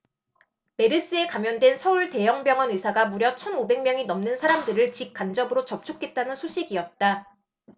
메르스에 감염된 서울 대형 병원 의사가 무려 천 오백 명이 넘는 사람들을 직 간접으로 접촉했다는 소식이었다